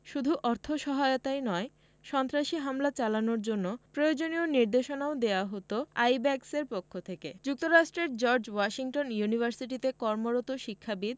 শুধু অর্থসহায়তাই নয় সন্ত্রাসী হামলা চালানোর জন্য প্রয়োজনীয় নির্দেশনাও দেওয়া হতো আইব্যাকসের পক্ষ থেকে যুক্তরাষ্ট্রের জর্জ ওয়াশিংটন ইউনিভার্সিটিতে কর্মরত শিক্ষাবিদ